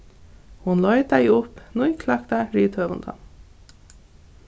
hon leitaði upp nýklakta rithøvundan